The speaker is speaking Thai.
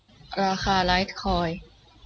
ราคาไลท์คอยน์